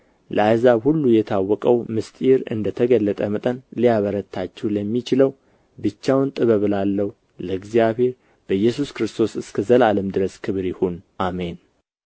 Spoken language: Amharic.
ለአሕዛብ ሁሉ የታወቀው ምሥጢር እንደ ተገለጠ መጠን ሊያበረታችሁ ለሚችለው ብቻውን ጥበብ ላለው ለእግዚአብሔር በኢየሱስ ክርስቶስ እስከ ዘላለም ድረስ ክብር ይሁን አሜን